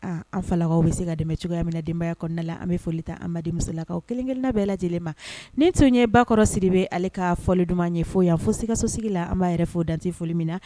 An fa bɛ se ka dɛmɛ cogoyaya min nadenbaya kɔnɔnada an bɛ foli ta anba denmuso musolakaw kelenkelenla bɛɛ lajɛlen ma ni tun ye bakɔrɔ siri bɛ ale ka fɔ duman ye foyi yan fo sikasosigi la an b'a yɛrɛ fɔ dante foli min na